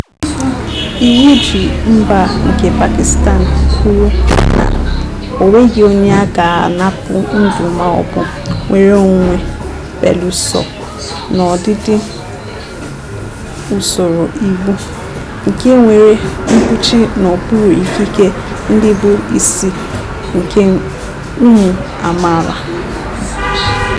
Iwu Ji Mba nke Pakistan kwuru na "O nweghị onye a ga-anapụ ndụ ma ọ bụ nnwere onwe belụsọ n'ọdịdị usoro iwu," nke nwere mkpuchi n'okpuru Ikike Ndị Bụ Isi nke ụmụ amaala.